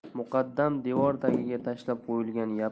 muqaddam devor tagiga tashlab qo'yilgan